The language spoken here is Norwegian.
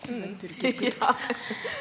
ja ja .